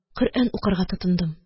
Коръән укырга тотындым